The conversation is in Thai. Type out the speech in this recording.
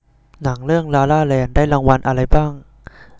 หนังเรื่องลาลาแลนด์ได้รางวัลอะไรบ้าง